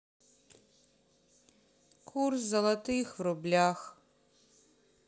курс злотых в рублях